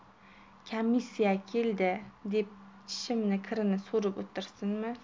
kamissiya keldi deb tishining kirini so'rib o'tirsinmi